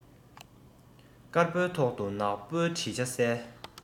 དཀར པོའི ཐོག ཏུ ནག པོའི བྲིས ཆ གསལ